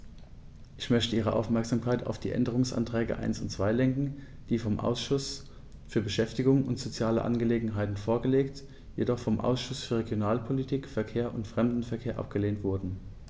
Ich möchte Ihre Aufmerksamkeit auf die Änderungsanträge 1 und 2 lenken, die vom Ausschuss für Beschäftigung und soziale Angelegenheiten vorgelegt, jedoch vom Ausschuss für Regionalpolitik, Verkehr und Fremdenverkehr abgelehnt wurden.